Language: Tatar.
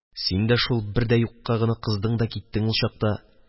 – ...син дә шул бер дә юкка гына кыздың да киттең ул чакта.